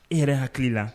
I yɛrɛ hakili la